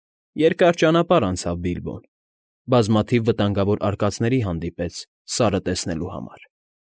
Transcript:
Երկար ճանապարհ անցավ Բիլբոն, բազմաթիվ վտանգավոր արկածների հանդիպեց Սարը տեսնելու համար։